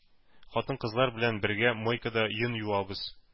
Хатын-кызлар белән бергә мойкада йон юабыз.